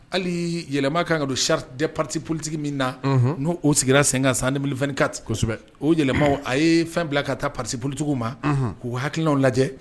Hali yɛlɛma ka kan don charte des partis politiques min na n'o o sigila sen kan san 2024 kosɛbɛ o yɛlɛmaw a ye fɛn bila ka taa parti politique ma k'u hakilinaw lajɛ